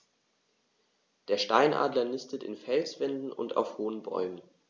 Der Steinadler nistet in Felswänden und auf hohen Bäumen.